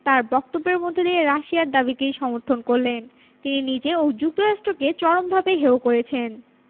তাঁর বক্তব্যের মধ্য দিয়ে রাশিয়ার দাবিকেই সমর্থন করলেন তিনি নিজে ও যুক্তরাষ্ট্রকে চরমভাবে হেয় করেছেন